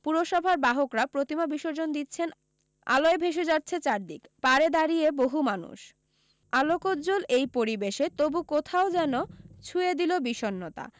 পুরসভার বাহকরা প্রতিমা বিসর্জন দিচ্ছেন আলোয় ভেসে যাচ্ছে চারদিক পাড়ে দাঁড়িয়ে বহু মানুষ আলোকজ্বল এই পরিবেশে তবু কোথাও যেন ছুঁয়ে ছিল বিষন্নতা